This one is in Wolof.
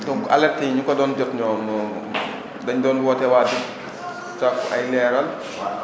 donc alertes yi ñi ko doon jot noonu dañu doon woote waa di sakku ay leeral